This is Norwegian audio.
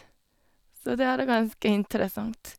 Så det er ganske interessant.